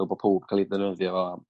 fel bo' powb ca'l 'i ddefyddio o a